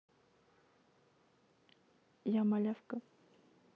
я малявка